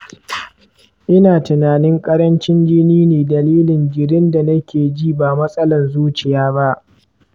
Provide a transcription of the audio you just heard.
ina tinanin karancin jini ne dalilin jiri da ne ke ji ne ba matsalan zuciya ba.